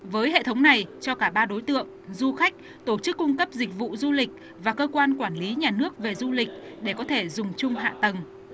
với hệ thống này cho cả ba đối tượng du khách tổ chức cung cấp dịch vụ du lịch và cơ quan quản lý nhà nước về du lịch để có thể dùng chung hạ tầng